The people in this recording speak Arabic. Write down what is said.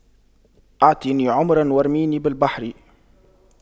اعطني عمرا وارميني بالبحر